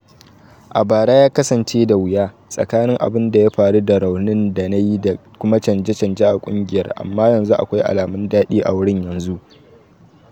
A bara ya kasance da wuya, tsakanin abin da ya faru da raunin da na yi da kuma canje-canje a kungiyar amma yanzu akwai alamun dadi a wurin yanzu.